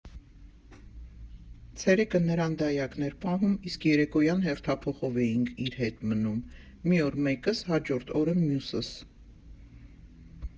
Ցերեկը նրան դայակն էր պահում, իսկ երեկոյան հերթափոխով էինք իր հետ մնում՝ մի օր մեկս, հաջորդ օրը մյուսս։